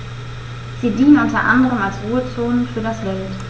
Sie dienen unter anderem als Ruhezonen für das Wild.